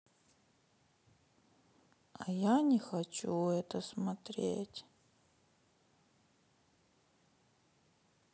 а я не хочу это смотреть